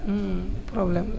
problème la